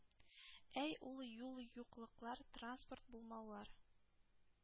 Әй ул юл юклыклар, транспорт булмаулар,